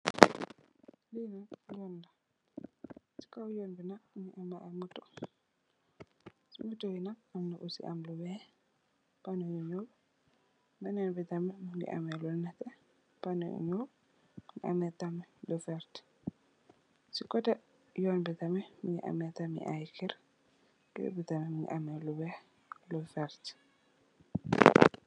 Lii nak yon la, cii kaw yon bii nak mungy ameh aiiy motor, cii motor yii nak amna busi am lu wekh, pohnoh yu njull, benen bii nak mungy ameh lu nehteh, pohnoh yu njull, mungy ameh tamit lu vertue, cii coteh yon bii tamit mungy ameh tamit mungy ameh tamit aiiy kerr, kerr bii tamit mungy ameh lu wekh, lu vertue.